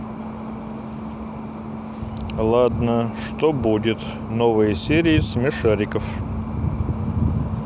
ладно что будет новые серии смешариков